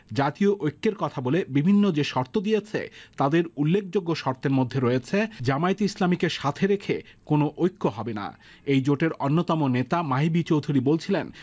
জাতীয় ঐক্যের কথা বলে বিভিন্ন যে শর্ত দিয়েছে তাদের উল্লেখযোগ্য শর্তের মধ্যে রয়েছে জামায়াত ইসলামীকে সাথে রেখে কোন ঐক্য হবে না এই জোটের অন্যতম নেতা মাহি বি চৌধুরী বলছিলেন